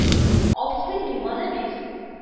Абзый, миңа да бир